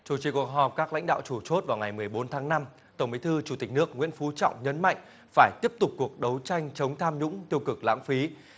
chủ trì cuộc họp các lãnh đạo chủ chốt vào ngày mười bốn tháng năm tổng bí thư chủ tịch nước nguyễn phú trọng nhấn mạnh phải tiếp tục cuộc đấu tranh chống tham nhũng tiêu cực lãng phí